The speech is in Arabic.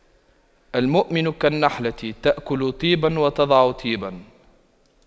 المؤمن كالنحلة تأكل طيبا وتضع طيبا